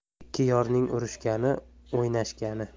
ikki yorning urushgani o'ynashgani